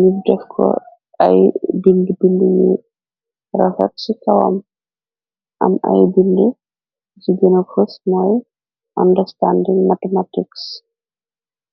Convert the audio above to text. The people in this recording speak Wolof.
nub dekko ay bind bindi ñi rafat ci kawam am ay bind ci gëna kosnay andarstanding mathematiks